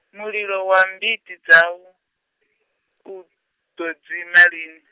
mulilo wa mbiti dzau , u, ḓo dzima lini?